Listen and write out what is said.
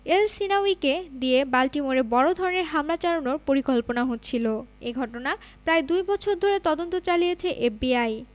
এলসহিনাউয়িকে দিয়ে বাল্টিমোরে বড় ধরনের হামলা চালানোর পরিকল্পনা হচ্ছিল এ ঘটনায় প্রায় দুই বছর ধরে তদন্ত চালিয়েছে এফবিআই